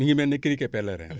mi ngi mel ne criquet pelerin rekk